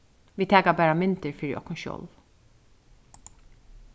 vit taka bara myndir fyri okkum sjálv